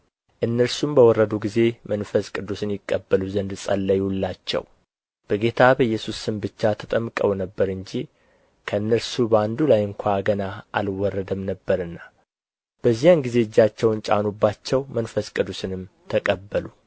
እነርሱም በወረዱ ጊዜ መንፈስ ቅዱስን ይቀበሉ ዘንድ ጸለዩላቸው በጌታ በኢየሱስ ስም ብቻ ተጠምቀው ነበር እንጂ ከእነርሱ በአንዱ ላይ ስንኳ ገና አልወረደም ነበርና በዚያን ጊዜ እጃቸውን ጫኑባቸው መንፈስ ቅዱስንም ተቀበሉ